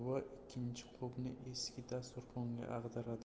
buva ikkinchi qopni eski dasturxonga ag'daradi